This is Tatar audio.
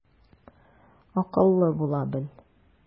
Акыллы була бел.